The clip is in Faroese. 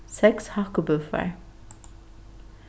seks hakkibúffar